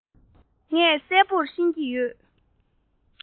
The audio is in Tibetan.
ངས གསལ པོར ཤེས ཀྱི ཡོད